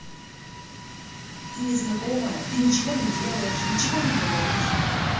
ты незнакомая ты ничего не делаешь ничего не говоришь